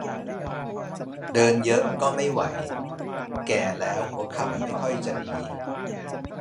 เดินเยอะก็ไม่ไหวแก่แล้วหัวเข่าไม่ค่อยจะดี